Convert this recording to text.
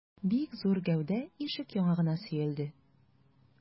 Бик зур гәүдә ишек яңагына сөялде.